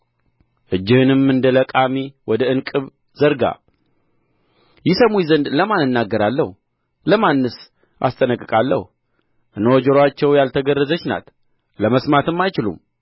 እጅህንም እንደ ለቃሚ ወደ እንቅብ ዘርጋ ይሰሙኝስ ዘንድ ለማን እናገራለሁ ለማንስ አስጠነቅቃለሁ እነሆ ጆሮአቸው ያልተገረዘች ናት ለመስማትም አይችሉም